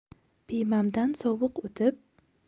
piymamdan sovuq o'tib